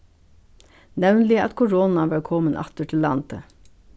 nevniliga at koronan var komin aftur til landið